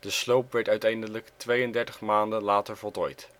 sloop werd uiteindelijk 32 maanden later voltooid